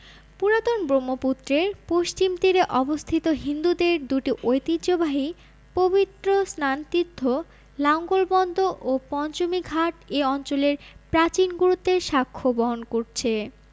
পুরাতন ব্রহ্মপুত্রের পশ্চিম তীরে অবস্থিত হিন্দুদের দুটি ঐতিহ্যবাহী পবিত্র স্নানতীর্থ লাঙ্গলবন্দ ও পঞ্চমীঘাট এ অঞ্চলের প্রাচীন গুরুত্বের সাক্ষ্য বহন করছে